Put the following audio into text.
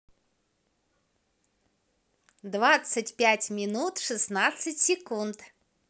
двадцать пять минут шестнадцать секунд